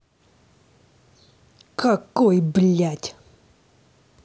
какой блядь